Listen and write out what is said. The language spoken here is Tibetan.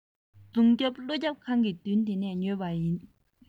རྫོང རྒྱབ ཀླུ ཁང གི མདུན དེ ནས ཉོས པ ཡིན